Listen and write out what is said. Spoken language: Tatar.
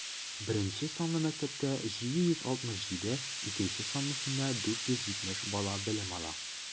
Беренче санлы мәктәптә - 767, икенче санлысында 470 бала белем ала.